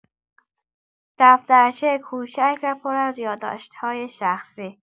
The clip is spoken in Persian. دفترچه کوچک و پر از یادداشت‌های شخصی